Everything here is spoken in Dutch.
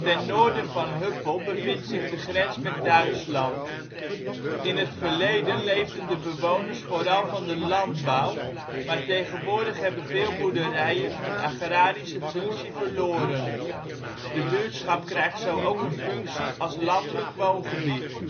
Ten noorden van Huppel bevindt zich de grens met Duitsland. In het verleden leefden de bewoners vooral van de landbouw maar tegenwoordig hebben veel boerderijen hun agrarische functie verloren. De buurtschap krijgt zo ook een functie als landelijk woongebied